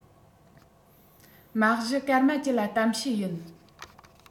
མ གཞི སྐར མ བཅུ ལ གཏམ བཤད ཡིན